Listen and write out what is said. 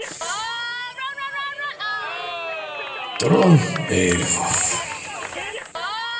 трон эльфов